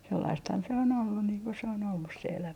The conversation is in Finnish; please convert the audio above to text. sellaistahan se on ollut niin kuin se on ollut se elämä